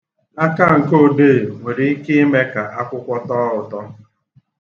Akanka odee nwere ike ime ka akwụkwọ tọọ ụtọ.